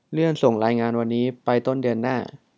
เลื่อนส่งรายงานวันนี้ไปต้นเดือนหน้า